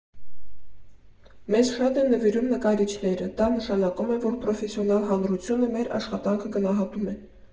Մեզ շատ են նվիրում նկարիչները, դա նշանակում է, որ պրոֆեսիոնալ հանրությունը մեր աշխատանքը գնահատում է։